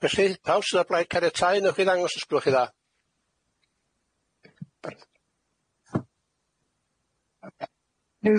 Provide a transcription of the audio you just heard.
Felly pawb sydd ar blaid caniatau newch chi ddangos os gwelwch chi dda?